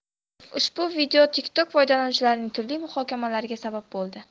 ushbu video tiktok foydalanuvchilarining turli muhokamalariga sabab bo'ldi